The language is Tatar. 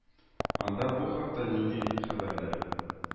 Анда бу хакта нинди хәбәрләр